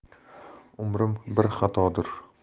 umrim bir xatodir